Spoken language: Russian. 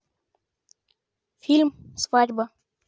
фильм свадьба